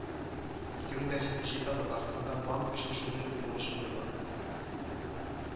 Ике мең дә җиденче елда татарстанда банк өчен шундый ук бурыч куелган